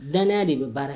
Danya de bɛ baara kɛ